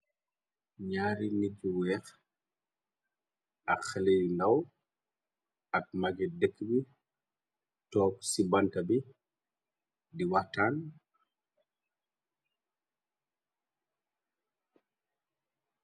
Njaari nit yu wekh ak haleh yu ndaw, ak magui dekue bii, tok cii bantue bii dii wakhtan.